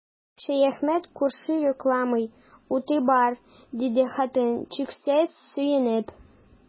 Шәяхмәт күрше йокламый, уты бар, диде хатын, чиксез сөенеп.